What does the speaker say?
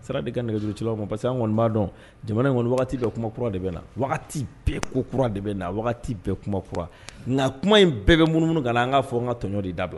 Sira di i ka nɛgɛjurucilaw ma, parce que an kɔni b'a dɔn jamana in kɔni wagati bɛ kokura de bɛ na wagati bɛɛ kokura de bɛ na wagati bɛɛ kumakura nka kuma in bɛɛ bɛ munumunu ka na an k'a fɔ n ka tɔɲɔ de da